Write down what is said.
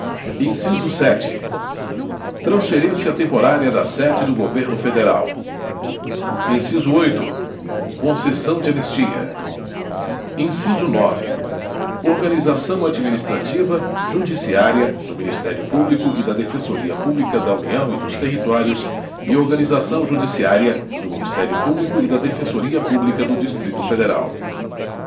inciso sete transferência temporária da sede do governo federal inciso oito concessão de anistia inciso nove organização administrativa judiciária do ministério público e da defensoria pública da união e dos territórios e organização judiciária do ministério público e da defensoria pública do distrito federal